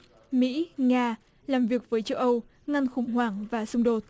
mỹ nga làm việc với châu âu ngăn khủng hoảng và xung đột